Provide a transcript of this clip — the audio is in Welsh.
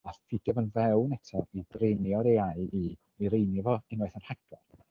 A ffitio fo i fewn eto i dreinio'r AI i mireinio fo unwaith yn rhagor.